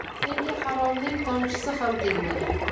senga haromning tomchisi ham tegmagan